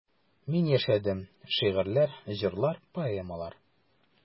Мин яшәдем: шигырьләр, җырлар, поэмалар.